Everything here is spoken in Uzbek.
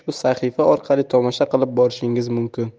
ushbu sahifa orqali tomosha qilib borishingiz mumkin